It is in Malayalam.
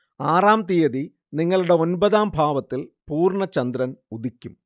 ആറാം തീയതി നിങ്ങളുടെ ഒൻപതാം ഭാവത്തിൽ പൂർണ്ണ ചന്ദ്രൻ ഉദിക്കും